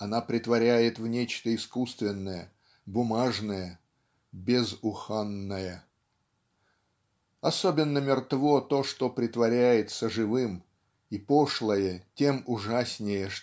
она претворяет в нечто искусственное, бумажное, безуханное. Особенно мертво то что притворяется живым и пошлое тем ужаснее